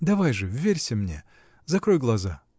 Давай же, вверься мне, закрой глаза.